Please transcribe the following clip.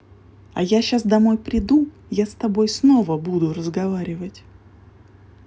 а я щас домой приду я с тобой снова буду разговаривать